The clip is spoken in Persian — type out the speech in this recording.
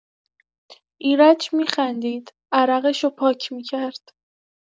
ایرج می‌خندید، عرقشو پاک می‌کرد.